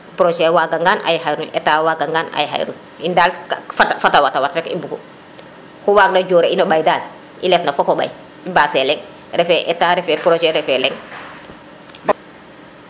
projet waga ngan ay xayrun Etat ay xayrun in dal fata wat rek i mbugu o xu wag na jora ino mbay dali letna fopo mbay i mbase leŋ refe Etat refe projet refe leŋ fop